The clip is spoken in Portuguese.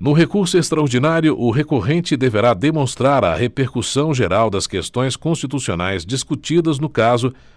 no recurso extraordinário o recorrente deverá demonstrar a repercussão geral das questões constitucionais discutidas no caso